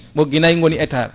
ɓoggui nayyi goni hectare